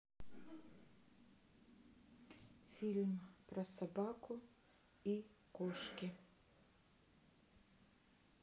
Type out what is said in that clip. фильм про собаку и кошки